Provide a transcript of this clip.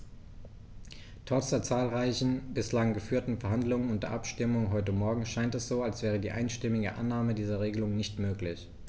Trotz der zahlreichen bislang geführten Verhandlungen und der Abstimmung heute Morgen scheint es so, als wäre die einstimmige Annahme dieser Regelung nicht möglich.